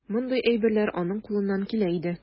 Мондый әйберләр аның кулыннан килә иде.